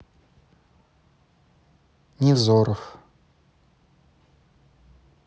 невзоров